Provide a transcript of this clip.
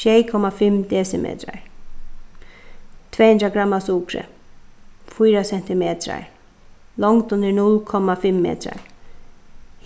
sjey komma fimm desimetrar tvey hundrað gramm av sukri fýra sentimetrar longdin er null komma fimm metrar